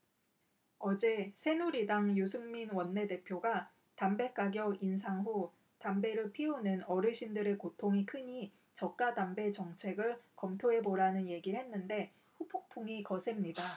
어제 새누리당 유승민 원내대표가 담배가격 인상 후 담배를 피우는 어르신들의 고통이 크니 저가담배 정책을 검토해보라는 얘길 했는데 후폭풍이 거셉니다